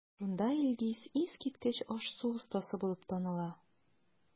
Шунда Илгиз искиткеч аш-су остасы булып таныла.